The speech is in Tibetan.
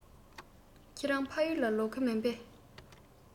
ཁྱེད རང ཕ ཡུལ ལ ལོག གི མིན པས